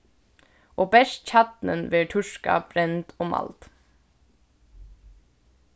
og bert kjarnin verður turkað brend og mald